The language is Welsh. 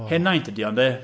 Henaint ydi o'n de.